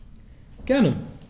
Gerne.